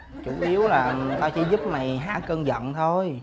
chủ yếu là tao giúp mày hả cơn giận thôi